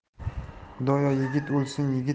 xudoyo yigit o'lsin